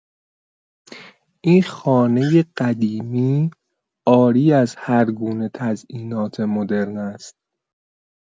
این خانه قدیمی عاری از هرگونه تزئینات مدرن است.